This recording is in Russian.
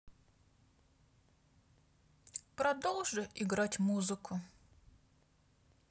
продолжи играть музыку